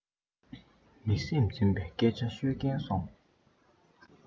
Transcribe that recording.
མི སེམས འཛིན པའི སྐད ཆ ཤོད ཀྱིན སོང